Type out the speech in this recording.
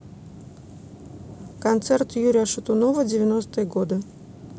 концерт юрия шатунова девяностые годы